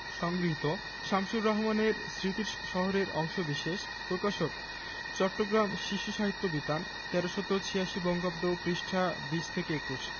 সংগৃহীত শামসুর রাহমানের স্মৃতির শহর এর অংশবিশেষ প্রকাশকঃ চট্টগ্রাম শিশু সাহিত্য বিতান ১৩৮৬ বঙ্গাব্দ পৃষ্ঠা ২০ থেকে ২১